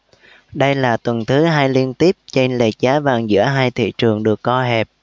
đây là tuần thứ hai liên tiếp chênh lệch giá vàng giữa hai thị trường được co hẹp